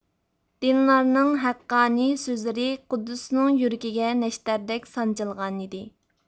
دىلنارنىڭ ھەققانىي سۆزلىرى قۇددۇسنىڭ يۈرىكىگە نەشتەردەك سانجىلغانىدى